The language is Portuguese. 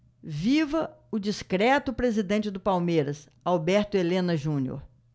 viva o discreto presidente do palmeiras alberto helena junior